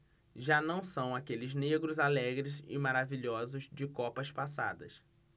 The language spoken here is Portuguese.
já não são aqueles negros alegres e maravilhosos de copas passadas